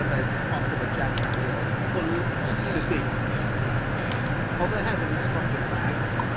yfed potel o Jack Daniels o l-... Mwy ne' lai. ...Un y dydd. Ie. Ie ie. Odd e hefyd yn smocio fags.